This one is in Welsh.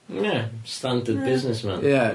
Ie, standard businessman ie.